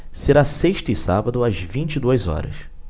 será sexta e sábado às vinte e duas horas